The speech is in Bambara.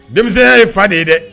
Denmisɛnwya ye fa de ye dɛ